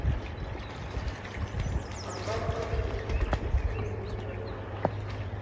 а как подключить к телевизору